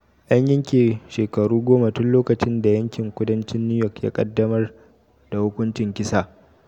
An yi shekaru goma tun lokacin da yankin kudancin New York ya kaddamar da hukuncin kisa.